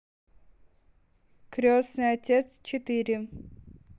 крестный отец четыре